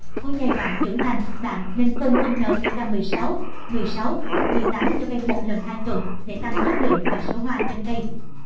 cuối giai đoạn trưởng thành bạn nên phun phân npk cho cây lần tuần để tăng chất lượng và số hoa trên cây